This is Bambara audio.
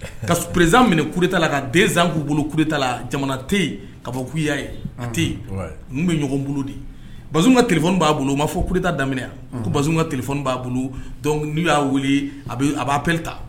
Ka purerezan minɛ kuruurtala ka denz k'u bolo kuruta la jamana tɛ kaba bɔ y'a ye tɛ n bɛ ɲɔgɔn bolo de ba ka b'a bolo u b'a fɔ purta daminɛ ba ka kɛlɛ b'a bolo dɔnkuc n'u y'a weele a a b'a pereta